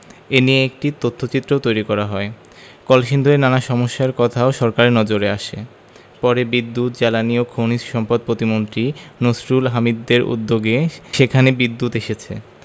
এ নিয়ে একটি তথ্যচিত্রও তৈরি করা হয় কলসিন্দুরের নানা সমস্যার কথাও সরকারের নজরে আসে পরে বিদ্যুৎ জ্বালানি ও খনিজ সম্পদ প্রতিমন্ত্রী নসরুল হামিদদের উদ্যোগে সেখানে বিদ্যুৎ এসেছে